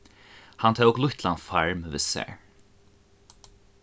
hann tók lítlan farm við sær